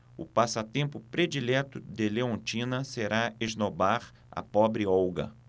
o passatempo predileto de leontina será esnobar a pobre olga